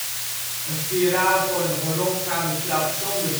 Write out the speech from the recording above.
spiraalvormige, rondgaande trap zonder